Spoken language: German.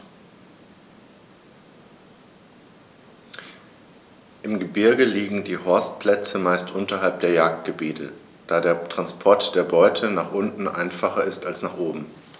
Im Gebirge liegen die Horstplätze meist unterhalb der Jagdgebiete, da der Transport der Beute nach unten einfacher ist als nach oben.